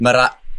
ma' ra-...